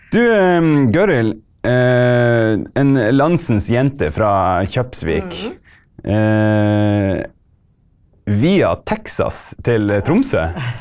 du Gøril en landsens jente fra Kjøpsvik via Texas til Tromsø.